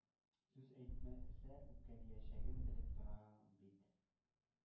Сүз әйтмәсә, үпкәләячәген белеп торам бит.